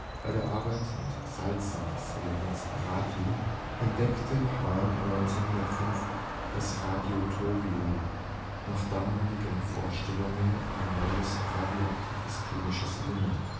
Bei der Arbeit mit Salzen des Elements Radium entdeckte Hahn 1905 das „ Radiothorium “, nach damaligen Vorstellungen ein neues radioaktives chemisches Element